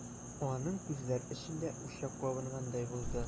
Аның күзләр эчендә учак кабынгандай булды.